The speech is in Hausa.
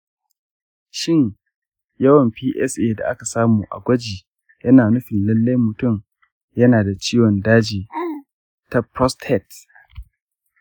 shin yawan psa da aka samu a gwaji yana nufin lallai mutum yana da ciwon daji ta prostate?